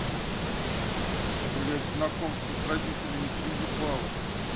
блядь знакомство с родителями заебала